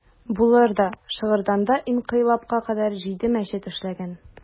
Булыр да, Шыгырданда инкыйлабка кадәр җиде мәчет эшләгән.